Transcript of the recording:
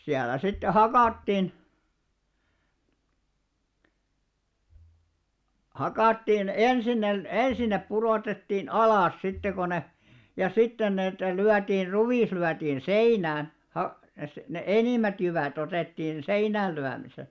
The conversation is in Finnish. siellä sitten hakattiin hakattiin ensin ne ensin ne pudotettiin alas sitten kun ne ja sitten niitä lyötiin ruis lyötiin seinään -- ne enimmät jyvät otettiin seinäänlyömisellä